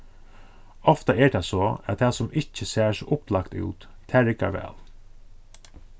ofta er tað so at tað sum ikki sær so upplagt út tað riggar væl